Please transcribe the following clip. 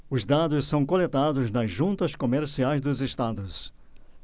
os dados são coletados nas juntas comerciais dos estados